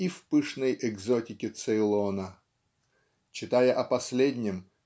и в пышной экзотике Цейлона. Читая о последнем